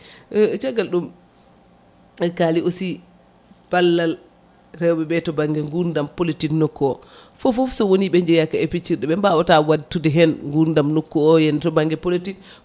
caggal ɗum en kaali aussi ballal rewɓeɓe to banggue gurdam politique nokku o fofoof so woni ɓe jeyaka e peccirɗi ɓe mbawta wattude hen gurdam nokku o henna to banggue politique